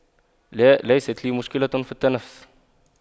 لا ليست لي مشكلة في التنفس